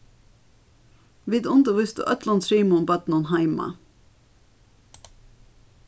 vit undirvístu øllum trimum børnum heima